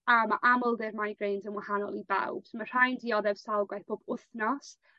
A ma' amlder migraines yn wahanol i bawb so ma' rhai 'n dioddef sawl gwaith pob wthnos